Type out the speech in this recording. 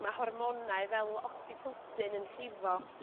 Ma' hormonau fel ocsitosin yn llifo